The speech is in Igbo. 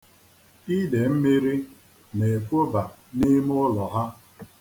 Idemmiri na-ekwoba n'ime ụlọ ha.